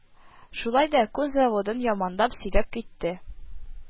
Шулай да күн заводын яманлап сөйләп китте: